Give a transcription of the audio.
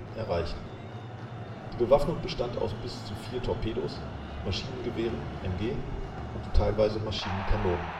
erreichen. Die Bewaffnung bestand aus bis zu vier Torpedos, Maschinengewehren (MG) und teilweise Maschinenkanonen